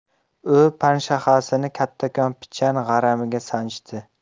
u panshaxasini kattakon pichan g'aramiga sanchdi